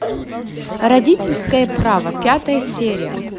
родительское право пятая серия